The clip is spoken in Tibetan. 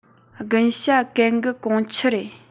དགུན ཞྭ གན གི གོང ཆི རེད